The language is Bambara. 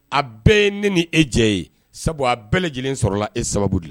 A bɛɛ ye ne ni e jɛ ye sabu a bɛɛ lajɛlen sɔrɔla e sababu de la